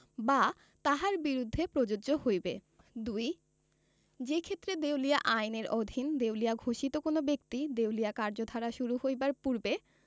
বা তাহার বিরুদ্ধে প্রযোজ্য হইবে ২ যেইক্ষেত্রে দেউলিয়া আইন এর অধীন দেউলিয়া ঘোষিত কোন ব্যক্তি দেউলিয়া কার্যধারা শুরু হইবার পূর্বে